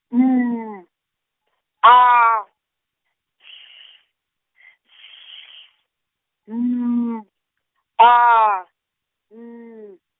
M A S S M A N.